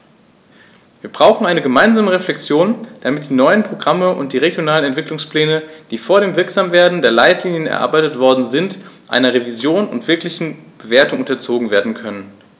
Wir brauchen eine gemeinsame Reflexion, damit die neuen Programme und die regionalen Entwicklungspläne, die vor dem Wirksamwerden der Leitlinien erarbeitet worden sind, einer Revision und wirklichen Bewertung unterzogen werden können.